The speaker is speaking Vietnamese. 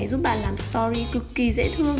điều này giúp bạn làm story cực kỳ dễ thương